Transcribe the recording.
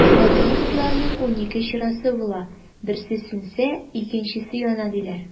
Хатын-кызларның унике чырасы була, берсе сүнсә, икенчесе яна, диләр.